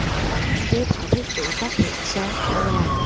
anh chế tạo thiết bị phát hiện sớm ổ gà